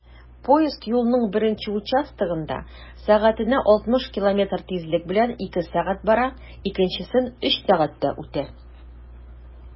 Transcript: Поезд юлның беренче участогында 60 км/сәг тизлек белән 2 сәг. бара, икенчесен 3 сәгатьтә үтә.